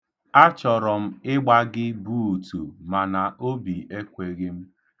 Achọrọ m ịgba gị buutu mana obi ekweghị m.